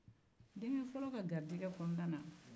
denkɛ fɔlɔ ka garijɛgɛ kɔnɔna na